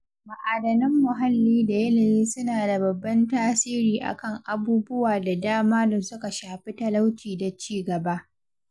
Ma'adanan muhalli da yanayi suna da babban tasiri a kan abubuwa da dama da suka shafi talauci da ci-gaba.